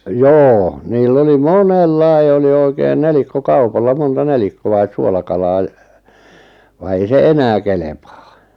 joo niillä oli monella oli oikein nelikkokaupalla monta nelikkoa suolakalaa - vaan ei se enää kelpaa